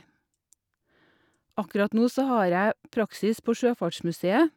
Akkurat nå så har jeg praksis på Sjøfartsmuseet.